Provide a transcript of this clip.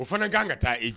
O fana kan ka taa i